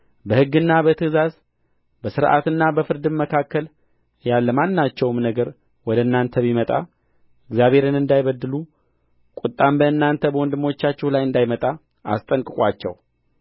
በሕግና በትእዛዝ በሥርዓትና በፍርድም መካከል ያለ ማናቸውም ነገር ወደ እናንተ ቢመጣ እግዚአብሔርን እንዳይበድሉ ቍጣም በእናንተና በወንድሞቻችሁ ላይ እንዳይመጣ አስጠንቅቁአቸው